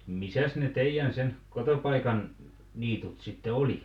missäs ne teidän sen kotipaikan niityt sitten oli